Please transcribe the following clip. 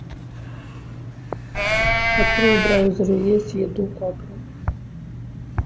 открой в браузере есть еду капру